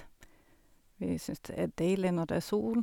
Vi syns det er deilig når det er sol.